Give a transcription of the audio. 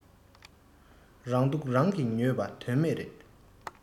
རང སྡུག རང གིས ཉོས པ དོན མེད རེད